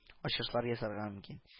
Ачышлар ясарга мөмкин